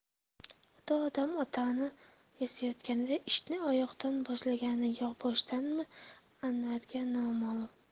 xudo odam atoni yasayotganida ishni oyoqdan boshlaganmi yo boshdanmi anvarga noma'lum